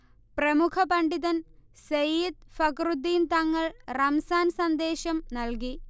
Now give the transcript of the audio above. പ്രമുഖ പണ്ഡിതൻ സയ്യിദ് ഫഖ്റുദ്ദീൻ തങ്ങൾ റംസാൻ സന്ദേശം നൽകി